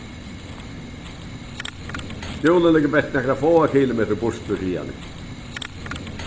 skúlin liggur bert nakrar fáar kilometrar burtur hiðani